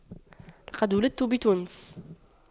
لقد ولدت بتونس